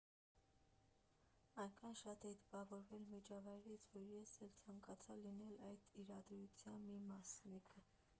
Այնքան շատ էի տպավորվել միջավայրից, որ ես էլ ցանկացա լինել այդ իրադարձության մի մասնիկը։